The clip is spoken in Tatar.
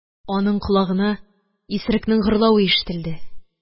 Аның колагына исерекнең гырлавы ишетелде